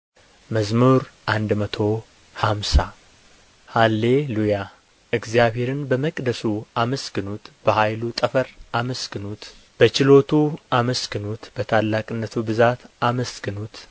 መዝሙር መቶ ሃምሳ ሃሌ ሉያ እግዚአብሔርን በመቅደሱ አመስግኑት በኃይሉ ጠፈር አመስግኑት በችሎቱ አመስግኑት በታላቅነቱ ብዛት አመስግኑት